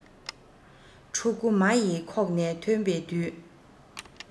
ཕྲུ གུ མ ཡི ཁོག ནས ཐོན པའི དུས